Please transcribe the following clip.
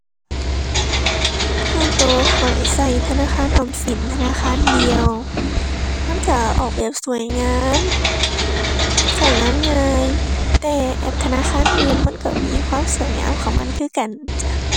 ส่วนตัวข้อยตัวธนาคารออมสินธนาคารเดียว มันตัวออกแบบสวยงาม ตัวงานง่าย แต่แอปธนาคารอื่นมันตัวมีความสวยงามของมันคือกันจ้ะ